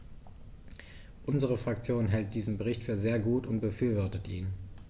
Unsere Fraktion hält diesen Bericht für sehr gut und befürwortet ihn.